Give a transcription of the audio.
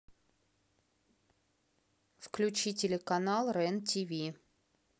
включи телеканал рен тв